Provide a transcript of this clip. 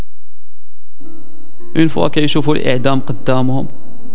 الفواكه يشوفوا اعدام قدامهم